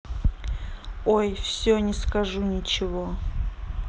ой все не скажу ничего